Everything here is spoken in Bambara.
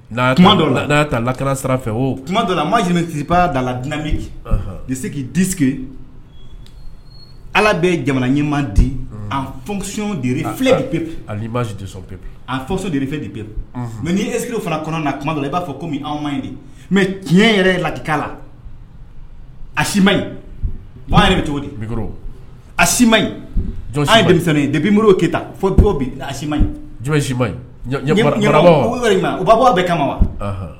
Dɔ la la sara o dɔ la ma zsiba dala lad ci se k'i di sigi ala bɛ jamana ɲɛman di asi de fi bɛ pep ani pep a deri bɛ pepwu mɛ' esefana kɔnɔ nadɔ i b'a fɔ ko anw ma ɲi mɛ tiɲɛ yɛrɛ ye lati la asima ɲi ba yɛrɛ bɛ cogo di asima de binmo kɛyita fo cogo u baba bɔ bɛɛ kama wa